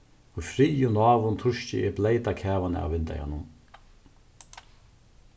í friði og náðum turki eg bleyta kavan av vindeyganum